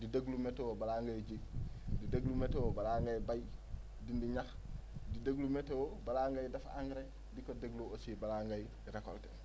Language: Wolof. di déglu météo balaa ngay ji di déglu météo balaa ngay béy dindi ñax di déglu météo balaa ngay def engrais di ko déglu aussi balaa ngay récolter